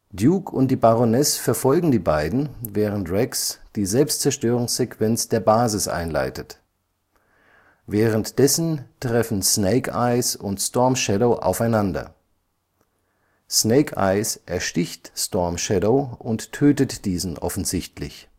Duke und die Baroness verfolgen die beiden, während Rex die Selbstzerstörungssequenz der Basis einleitet. Währenddessen treffen Snake Eyes und Storm Shadow aufeinander. Snake Eyes ersticht Storm Shadow und tötet diesen offensichtlich